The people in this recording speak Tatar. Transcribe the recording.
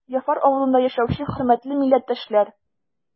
Яфар авылында яшәүче хөрмәтле милләттәшләр!